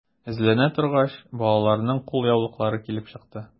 Эзләнә торгач, балаларның кулъяулыклары килеп чыкты.